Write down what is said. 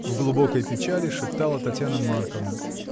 — в глубокой печали шептала Татьяна Марковна.